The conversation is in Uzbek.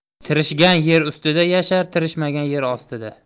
tirishgan yer ustida yashar tirishmagan yer ostida